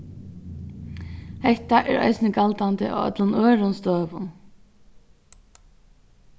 hetta er eisini galdandi á øllum øðrum støðum